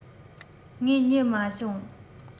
ང རྙེད མ བྱུང